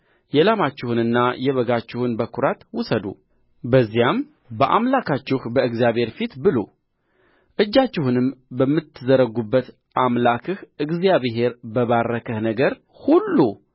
የላማችሁንና የበጋችሁንም በኵራት ውሰዱ በዚያም በአምላካችሁ በእግዚአብሔር ፊት ብሉ እጃችሁንም በምትዘረጉበት አምላክህ እግዚአብሔር በባረከህ ነገር ሁሉ